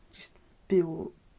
Jyst byw...